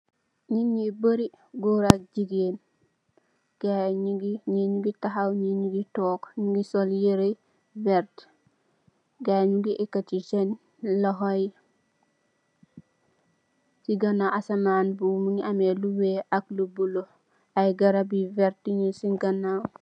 Neet nu bary goor ak jegain gaye nuge ne nuge tahaw ne nuge tonke nuge sol yere verte gaye nuge ekate sen lohou ye se ganaw asaman bu muge ameh lu weex ak lu bulo aye garab yu verte nugse.